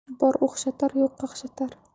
bor o'xshatar yo'q qaqshatar